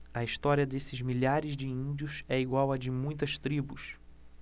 a história desses milhares de índios é igual à de muitas tribos